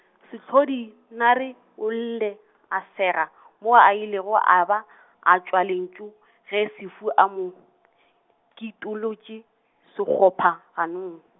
Sehlodimare o ile , a sega , moo a ilego a ba , a hwa lentšu, ge Sefu a mo , kitolotše, sekgopha ganong.